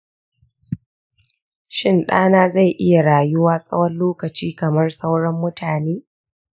shin ɗana zai iya rayuwa tsawon lokaci kamar sauran mutane?